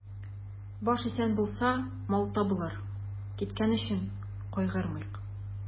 Баш исән булса, мал табылыр, киткән әйбер өчен кайгырмыйк.